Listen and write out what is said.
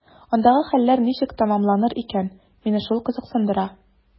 Андагы хәлләр ничек тәмамланыр икән – мине шул кызыксындыра.